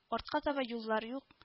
Артка таба юллар юк